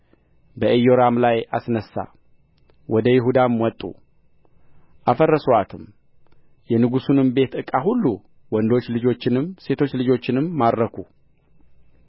በኢዮራም ላይ አስነሣ ወደ ይሁዳም ወጡ አፈረሱአትም የንጉሡንም ቤት ዕቃ ሁሉ ወንዶች ልጆቹንም ሴቶች ልጆቹንም ማረኩ